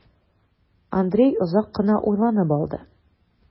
Андрей озак кына уйланып алды.